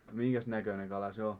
minkäs näköinen kala se on